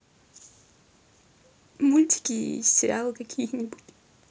мультики и сериалы какие нибудь